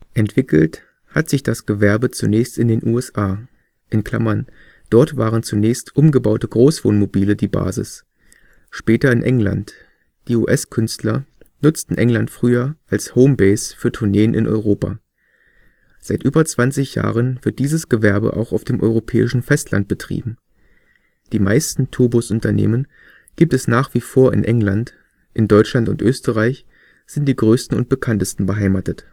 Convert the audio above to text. Entwickelt hat sich das Gewerbe zunächst in den USA (dort waren zunächst umgebaute Großwohnmobile die Basis), später in England – die US-Künstler nutzten England früher als „ Homebase “für Tourneen in Europa. Seit über 20 Jahren wird dieses Gewerbe auch auf dem europäischen Festland betrieben. Die meisten Tourbusunternehmen gibt es nach wie vor in England, in Deutschland und Österreich sind die größten und bekanntesten beheimatet